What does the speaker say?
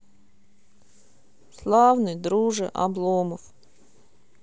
славный друже обломов